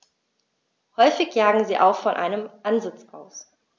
Häufig jagen sie auch von einem Ansitz aus.